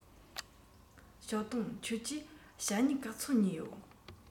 ཞའོ ཏུང ཁྱོད ཀྱིས ཞྭ སྨྱུག ག ཚོད ཉོས ཡོད